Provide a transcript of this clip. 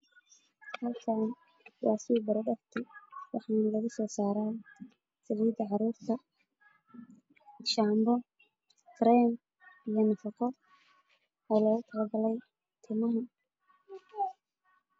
Meeshaan waa see protect waxaa laga soo saraa saliida caruurta iyo kareenka